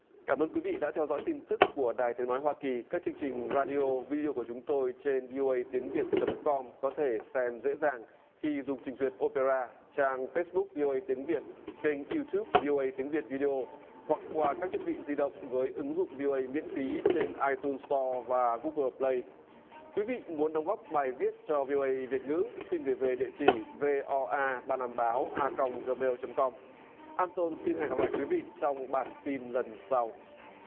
cảm ơn quý vị đã theo dõi tin tức của đài tiếng nói hoa kỳ các chương trình ra đi ô vi đi ô của chúng tôi trên vi ô ây tiếng việt chấm com có thể xem dễ dàng khi dùng trình duyệt ô pe ra trang phết búc vi ô ây tiếng việt kênh iu túp vi ô ây tiếng việt vi đi ô hoặc qua các thiết bị di động với ứng dụng vi ô ây miễn phí trên ai tun sờ to và gu gờ pờ lay quý vị muốn đóng góp bài viết cho vi ô ây việt ngữ xin gửi về địa chỉ về v o a bạn làm báo a còng gờ mêu chấm com an tôn xin hẹn gặp lại quý vị trong bản tin lần sau